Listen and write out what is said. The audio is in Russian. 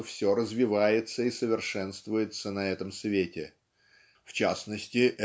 что все развивается и совершенствуется на этом свете. В частности